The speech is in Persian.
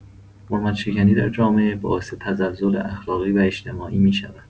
حرمت‌شکنی در جامعه باعث تزلزل اخلاقی و اجتماعی می‌شود.